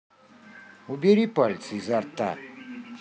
убери пальцы изо рта